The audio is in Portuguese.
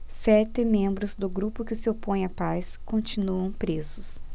sete membros do grupo que se opõe à paz continuam presos